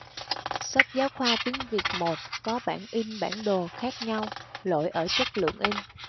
sách giáo khoa tiếng việt một có bản in bản đồ khác nhau lỗi ở chất lượng in